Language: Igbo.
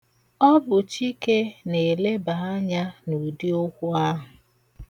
Ọ bụ Chike na-eleba anya n'ụdị okwu ahụ.